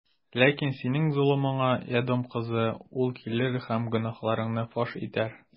Ләкин синең золымыңа, Эдом кызы, ул килер һәм гөнаһларыңны фаш итәр.